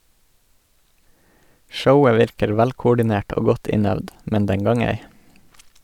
Showet virker velkoordinert og godt innøvd, men den gang ei.